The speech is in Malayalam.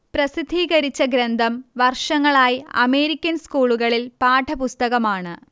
പ്രസിദ്ധീകരിച്ച ഗ്രന്ഥം വർഷങ്ങളായി അമേരിക്കൻ സ്കൂളുകളിൽ പാഠപുസ്തകമാണ്